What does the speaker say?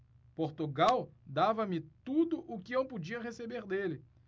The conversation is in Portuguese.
portugal dava-me tudo o que eu podia receber dele